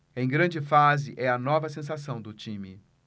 em grande fase é a nova sensação do time